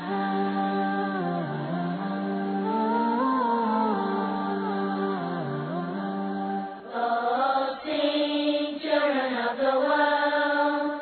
San den diɲɛgo